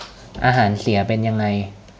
อาหารเสียเป็นยังไง